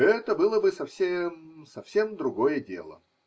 Это было бы совсем, совсем другое дело.